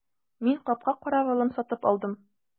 Мин капка каравылын сатып алдым.